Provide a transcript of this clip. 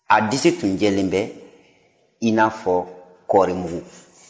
a disi tun jɛlen bɛ inafɔ kɔɔrimugu